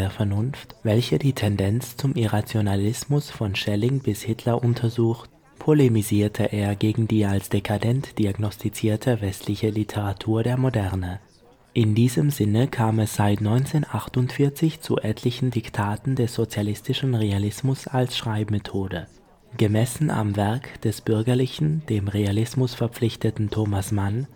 Vernunft, welche die Tendenz zum Irrationalismus von Schelling bis Hitler untersucht, polemisierte er gegen die als dekadent diagnostizierte westliche Literatur der Moderne. In diesem Sinne kam es seit 1948 zu etlichen Diktaten des Sozialistischen Realismus als Schreibmethode. Gemessen am Werk des bürgerlichen, dem Realismus verpflichteten Thomas Mann